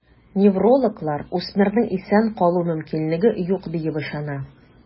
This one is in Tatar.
Неврологлар үсмернең исән калу мөмкинлеге юк диеп ышана.